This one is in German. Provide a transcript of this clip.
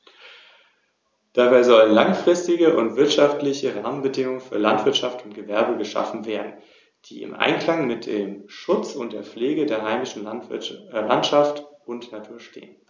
Das Fell der Igel ist meist in unauffälligen Braun- oder Grautönen gehalten.